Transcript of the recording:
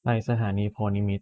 ไปสถานีโพธิ์นิมิตร